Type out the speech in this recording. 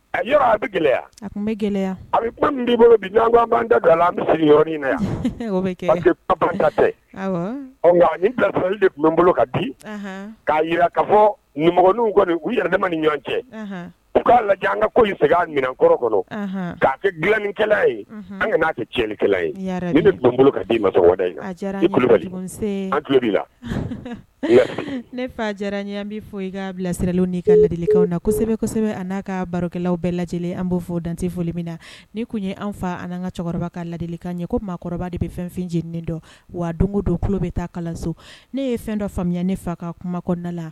A a bɛ gɛlɛya a tun bɛ gɛlɛya a bolo an bɛɔrɔnin na yan pa nka ni de bolo ka di k'a jira ka fɔin kɔni u yɛrɛ ne ni ɲɔgɔn cɛ'a lajɛ an ka ko tigɛkɔrɔ kɔnɔ k' kɛ dilakɛla ye an ka n'a kɛ cɛɲɛn ni bolo ka dida la ne fa diyara ɲɛ bɛ fɔ i ka bilasirala ni' ka ladilikaw na kosɛbɛsɛbɛ an n'a ka barokɛlaw bɛɛ lajɛ an' fɔ dante foli min na ni tun ye an fa an ka cɛkɔrɔba ka lali ka ɲɛ ko maakɔrɔba de bɛ fɛn fɛn jeni dɔn wa don don tulo bɛ taa kalanso ne ye fɛn dɔ faamuyaya ne fa ka kuma kɔnɔnada la